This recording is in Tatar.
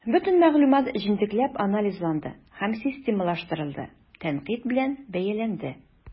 Бөтен мәгълүмат җентекләп анализланды һәм системалаштырылды, тәнкыйть белән бәяләнде.